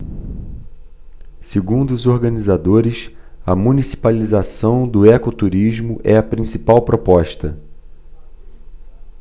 segundo os organizadores a municipalização do ecoturismo é a principal proposta